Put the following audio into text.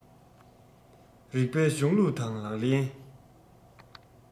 རིགས པའི གཞུང ལུགས དང ལག ལེན